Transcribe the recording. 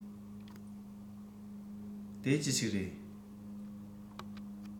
དེ ཅི ཞིག རེད